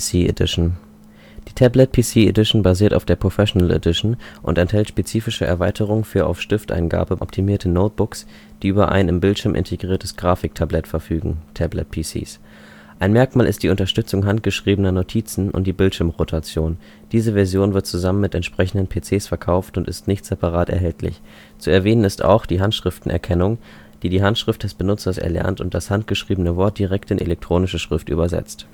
Die Tablet PC Edition basiert auf der Professional Edition und enthält spezifische Erweiterungen für auf Stifteingabe optimierte Notebooks, die über ein im Bildschirm integriertes Grafiktablett verfügen (Tablet PCs). Ein Merkmal ist die Unterstützung handgeschriebener Notizen und die Bildschirmrotation. Diese Version wird zusammen mit entsprechenden PCs verkauft und ist nicht separat erhältlich. Zu erwähnen ist auch die Handschriftenerkennung, die die Handschrift des Benutzers erlernt und das handgeschriebene Wort direkt in elektronische Schrift übersetzt